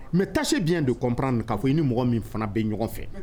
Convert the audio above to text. Mɛ ta se biyɛn de kɔnp k'a fɔ i ni mɔgɔ min fana bɛ ɲɔgɔn fɛ